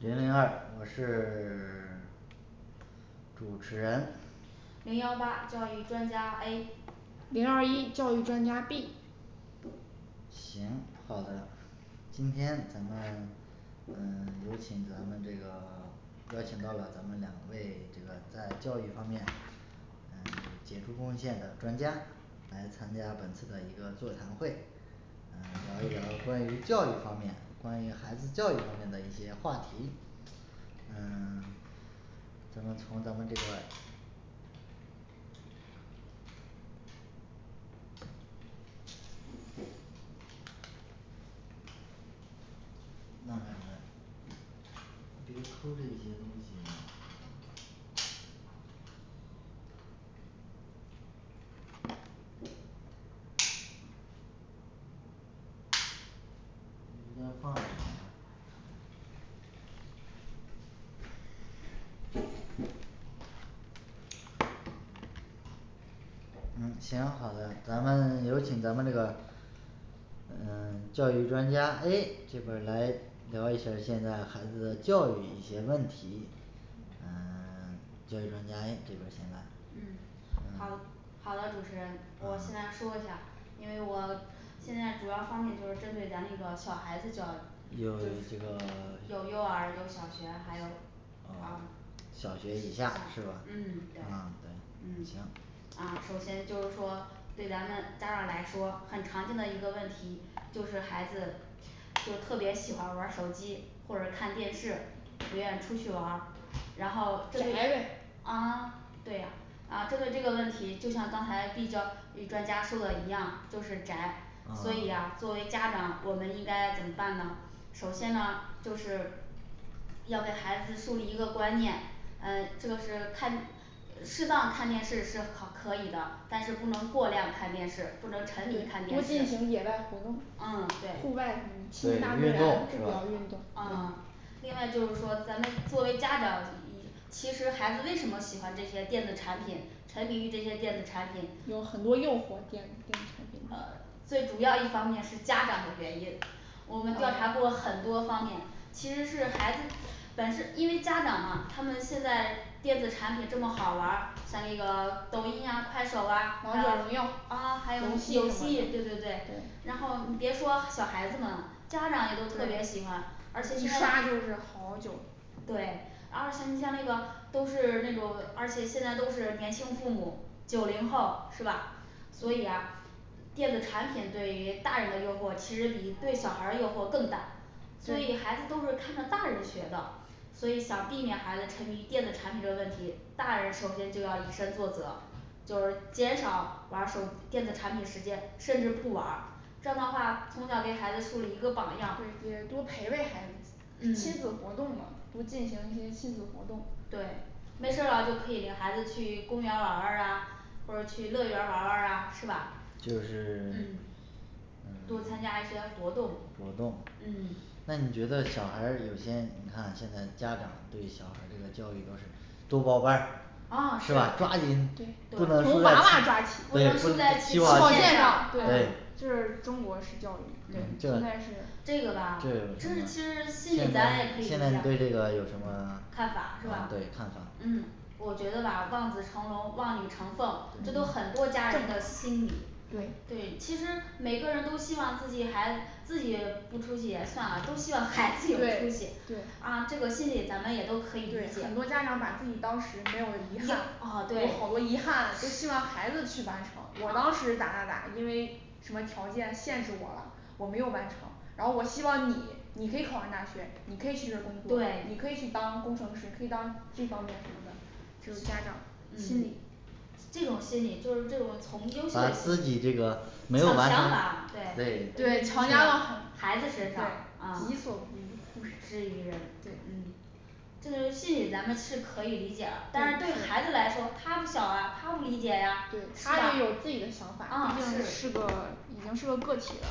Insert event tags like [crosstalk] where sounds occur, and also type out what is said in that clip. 零零二我是 [silence] 主持人零幺八教育专家A 零二一教育专家B 行好的。今天咱们嗯 [silence] 有请咱们这个 [silence] 邀请到了咱们两位这个在教育方面嗯有杰出贡献的专家来参加本次的一个座谈会嗯聊一聊关于教育方面，关于孩子教育方面的一些话题嗯 [silence] 咱们从咱们这个嗯行好的，咱们有请咱们这个嗯 [silence] 教育专家A这边儿来聊一下现在孩子的教育一些问题嗯 [silence] 教育专家A这边儿先来嗯嗯好嗯好的主持人我先来嗯说一下因为我现在主要方面就是针对咱那个小孩子教育有这个 [silence] 有幼儿，有小学，还有啊啊小学以下是吧？嗯嗯 [silence] 对对嗯嗯行啊首先就是说对咱们家长来说很常见的一个问题，就是孩子就特别喜欢玩儿手机或者看电视，不愿出去玩儿，然后就就宅呗啊对呀啊针对这个问题，就像刚才B教育专家说的一样，就是宅，所以啊呀作为家长我们应该怎么办首先呢就是要给孩子树立一个观念，哎这个是看呃适当看电视是好 [unintelligible] 可以的，但是不能过量看电视或者沉沦看多电视进行野外活动嗯对户啊外亲对近运大自然动这是比吧较运动对啊嗯另外就是说咱们作为家长，其实孩子为什么喜欢这些电子产品，沉迷于这些电子产品有很多诱惑电电子产呃品最主要一方面是家长的原因我们调查嗯过很多方面，其实是孩子本身，因为家长嘛他们现在电子产品这么好玩儿，像那个抖音呀快手啊啊王还者荣有耀啊还有游游戏戏什对么对的对，对然后你别说小孩子们啦，家长也都特别喜欢而且对一刷就是好久，对，而且你像那个都是那种而且现在都是年轻父母九零后是吧所以啊电子产品对于大人的诱惑其实比对小孩儿的诱惑更大所以对孩子都是看着大人学的所以想避免孩子沉迷于电子产品的问题，大人首先就要以身作则，就是减少玩儿手电子产品时间，甚至不玩，这样的话从小给孩子树立一个榜样对这些多陪陪孩子亲嗯子活动嘛多进行一些亲子活动对没事了就可以领孩子去公园儿玩儿玩儿啊或者去乐园儿玩儿玩儿啊是吧就是 [silence] [crosstalk] 多嗯 [silence] 参加一些活动活动嗯那你觉得小孩儿有些你看现在家长对小孩儿这个教育都是多报班儿啊是是吧抓对紧对对不不能能输输从娃在娃抓起起 [unintelligible] 对不在能输起起起跑跑跑线线线上啊上上对这是中国式教育嗯这现在是这这个有什吧么其实是现在你现在你对这个有什么 [silence] 看法是呃吧对看法嗯我觉得吧望子成龙望女成凤这都这很对多家人的心理对对其实每个人都希望自己孩自己不出息也算了，都希望对对孩子有出息对啊这个心理咱们也都可以理对解很多家长把自己当时没有的遗遗憾憾有啊对好多遗憾都希望孩子去完成我当时咋咋咋因为什么条件限制我了我没有完成然后我希望你你可以考上大学你可以去这儿工作你对可以去当工程师可以当这方面什么的就是家长心嗯理这种心理就是这种从优嘞把把自己这个没有完成想法对对对强压到很 [unintelligible] 孩子对身上啊勿己所不欲施于人对嗯这种心理咱们是可以理解了，但是对孩对对子来说他不小了，他不理解呀是对他也有自己的想吧法啊毕竟是是个已经是个个体了